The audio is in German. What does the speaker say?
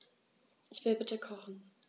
Ich will bitte kochen.